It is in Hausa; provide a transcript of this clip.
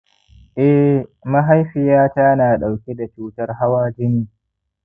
eh, mahaifiyata na ɗauke da cutar hawa-jini